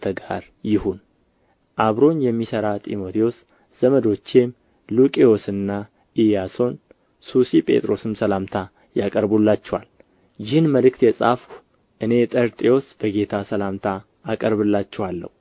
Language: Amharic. ከእናንተ ጋር ይሁን አብሮኝ የሚሠራ ጢሞቴዎስ ዘመዶቼም ሉቂዮስና ኢያሶን ሱሲጴጥሮስም ሰላምታ ያቀርቡላችኋል ይህን መልእክት የጻፍሁ እኔ ጤርጥዮስ በጌታ ሰላምታ አቀርብላችኋለሁ